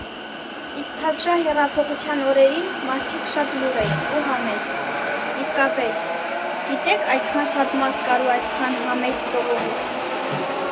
Իսկ Թավշյա հեղափոխության օրերին մարդիկ շատ լուռ էին ու համեստ, իսկապես, գիտե՞ք, այդքան շատ մարդ կար ու այդքան համեստ ժողովուրդ։